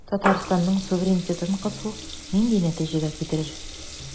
Татарстанның суверенитетын кысу нинди нәтиҗәгә китерер?